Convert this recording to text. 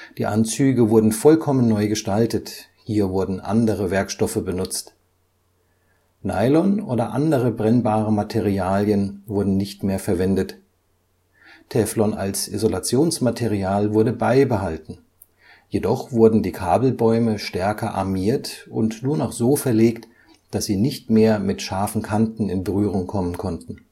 Die Anzüge wurden vollkommen neu gestaltet, hier wurden andere Werkstoffe benutzt. Nylon oder andere brennbare Materialien wurden nicht mehr verwendet. Teflon als Isolationsmaterial wurde beibehalten, jedoch wurden die Kabelbäume stärker armiert und nur noch so verlegt, dass sie nicht mehr mit scharfen Kanten in Berührung kommen konnten